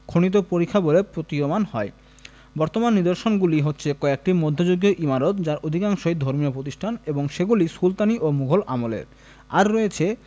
খনিত পরিখা বলে প্রতীয়মান হয় বর্তমান নিদর্শনগুলি হচ্ছে কয়েকটি মধ্যযুগীয় ইমারত যার অধিকাংশই ধর্মীয় প্রতিষ্ঠান এবং সেগুলি সুলতানি ও মুঘল আমলের আর রয়েছে